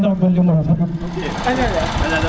*